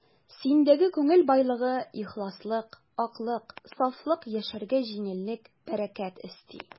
Синдәге күңел байлыгы, ихласлык, аклык, сафлык яшәргә җиңеллек, бәрәкәт өсти.